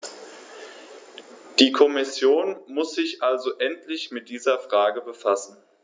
Die Kommission muss sich also endlich mit dieser Frage befassen.